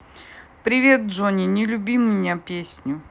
привет джонни не люби меня песню